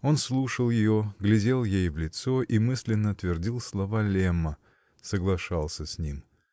Он слушал ее, глядел ей в лицо и мысленно твердил слова Лемма, соглашался с ним.